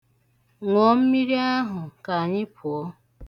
Ṅụọ mmiri ahụ ka anyị pụọ.